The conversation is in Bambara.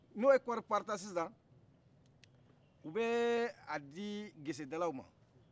n'u ye kɔri parata sisan u b' adi gesedalaw ma